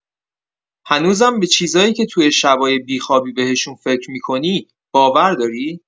هنوزم به چیزایی که توی شبای بی‌خوابی بهشون فکر می‌کنی، باور داری؟